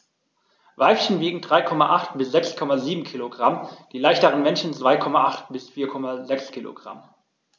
Weibchen wiegen 3,8 bis 6,7 kg, die leichteren Männchen 2,8 bis 4,6 kg.